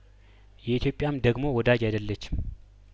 የኢትዮጵያም ደግሞ ወዳጅ አይደለችም